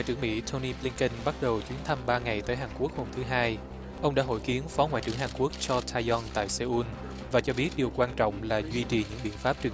trưởng mĩ thô ni lin tân bắt đầu chuyến thăm ba ngày tới hàn quốc hôm thứ hai ông đã hội kiến phó ngoại trưởng hàn quốc cho cho tha giong tại xê un và cho biết điều quan trọng là duy trì những biện pháp trừng